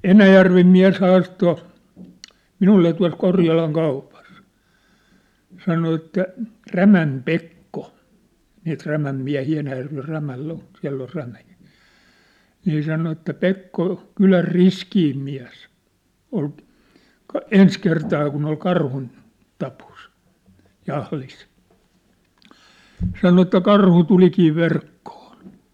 Enäjärven mies haastoi minulle tuossa Korjalan kaupassa sanoi että Rämän Pekko niitä Rämän miehiä Enäjärven Rämällä on siellä on Rämiä niin sanoi että Pekko kylän riskein mies oli - ensi kertaa kun oli - karhuntapossa karhunjahdissa sanoi että karhu tulikin verkkoon